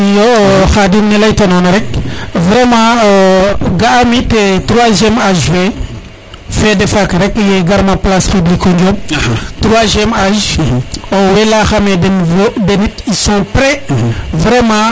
iyo Khadim ne leyta nona rek vraiment ga am ite 3iem age fe fode faak rek ye garma place public p Njob 3iem age owey leya xame den denit sont prés vraiment